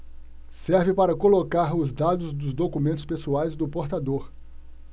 serve para colocar os dados dos documentos pessoais do portador